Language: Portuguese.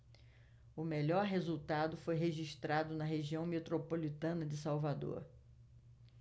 o melhor resultado foi registrado na região metropolitana de salvador